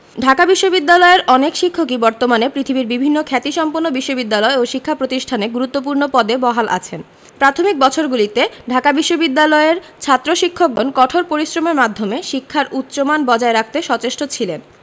ঢাকা বিশ্ববিদ্যালয়ের অনেক শিক্ষকই বর্তমানে পৃথিবীর বিভিন্ন খ্যাতিসম্পন্ন বিশ্ববিদ্যালয় ও শিক্ষা প্রতিষ্ঠানে গুরুত্বপূর্ণ পদে বহাল আছেন প্রাথমিক বছরগুলিতে ঢাকা বিশ্ববিদ্যালয়ের ছাত্র শিক্ষকগণ কঠোর পরিশ্রমের মাধ্যমে শিক্ষার উচ্চমান বজায় রাখতে সচেষ্ট ছিলেন